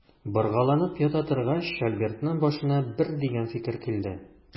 Боргаланып ята торгач, Альбертның башына бер дигән фикер килде.